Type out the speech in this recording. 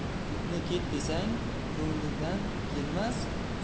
itni ket desang ko'ngliga kelmas